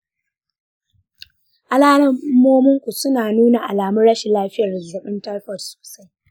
alamomin ku suna nuna alamun rashin lafiyar zazzabin taifot sosai.